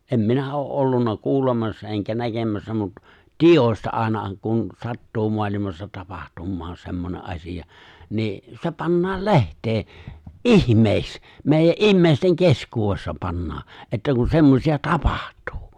en minä ole ollut kuulemassa enkä näkemässä mutta tiedosta ainahan kun sattuu maailmassa tapahtuu semmoinen asia niin se pannaan lehteen ihmeeksi meidän ihmisten keskuudessa pannaan että kun semmoisia tapahtuu